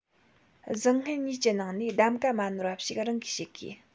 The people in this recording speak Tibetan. བཟང ངན གཉིས ཀྱི ནང ནས གདམ ཀ མ ནོར བ ཞིག རང གིས བྱེད དགོས